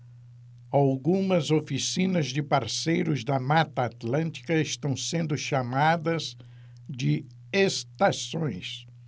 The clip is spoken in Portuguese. algumas oficinas de parceiros da mata atlântica estão sendo chamadas de estações